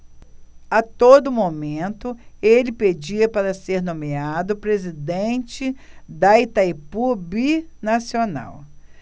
a todo momento ele pedia para ser nomeado presidente de itaipu binacional